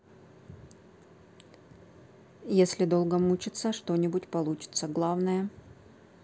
если долго мучиться что нибудь получится главное